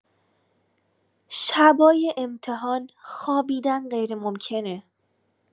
شب‌های امتحان خوابیدن غیرممکنه